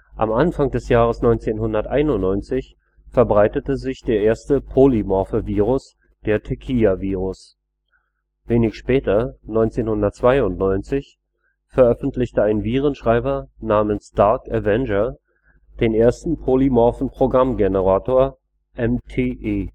Am Anfang des Jahres 1991 verbreitet sich der erste polymorphe Virus, der Tequilavirus. Wenig später, 1992, veröffentlichte ein Virenschreiber namens Dark Avenger den ersten polymorphen Programmgenerator, MTE